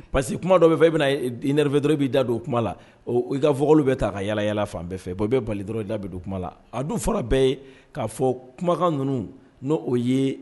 Parce kuma dɔw fɛ bɛna yɛrɛɛrɛfɛ dɔrɔn b'i da don o kuma la i ka fɔkolo bɛ ta ka yaa yalala fan bɛɛ fɛ i bɛ bali dɔrɔn da don o kuma la a dun fɔra bɛɛ ye k'a fɔ kumakan ninnu n' o ye